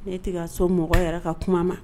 Ne tɛ so mɔgɔ yɛrɛ ka kuma ma